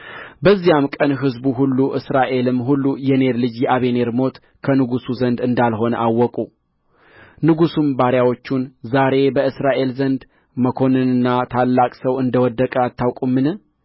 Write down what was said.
በዚያም ቀን ሕዝቡ ሁሉ እስራኤልም ሁሉ የኔር ልጅ የአበኔር ሞት ከንጉሡ ዘንድ እንዳልሆነ አወቁ ንጉሡም ባሪያዎቹን ዛሬ በእስራኤል ዘንድ መኰንንና ታላቅ ሰው እንደ ወደቀ አታውቁምን